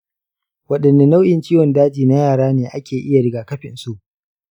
wadanne nau’in ciwon daji na yara ne ake iya rigakafinsu?